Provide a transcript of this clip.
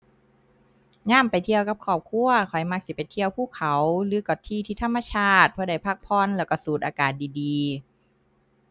ยามไปเที่ยวกับครอบครัว ข้อยมักสิไปเที่ยวภูเขาหรือก็ที่ที่ธรรมชาติ เพราะได้พักผ่อนแล้วก็สูดอากาศดีดี